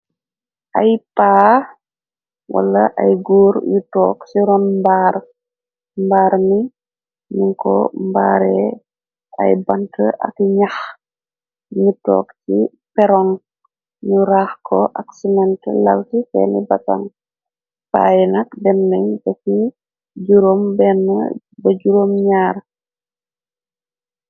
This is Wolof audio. ay paa wala ay guur yu toog ci ron mbaarni, niko mbaare ay bant at ñax ni took ci peron ñu raax ko ak siment law ci feeni batan paayi nak bennñ ba ci juróom benn ba juróom ñaar.